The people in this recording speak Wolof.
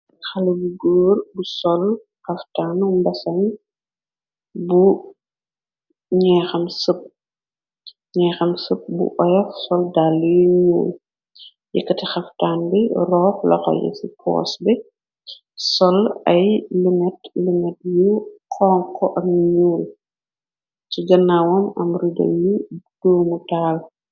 Xale bu goor bu sol xaftaan mbesañ bu ñeexam sëb bu oyaf. Sol daliy ñuul yëkkati xaftaan bi roof laxo ye ci poos bi. Sol ay lunet lunet yu xonko ab ñuul ci ganaawaom am rudal yi doomu taal.